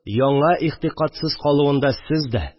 Яңа игътикадсыз калуында сез дә